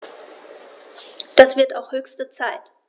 Das wird auch höchste Zeit!